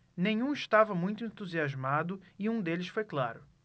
nenhum estava muito entusiasmado e um deles foi claro